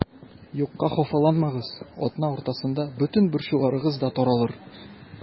Юкка хафаланмагыз, атна уртасында бөтен борчуларыгыз да таралыр.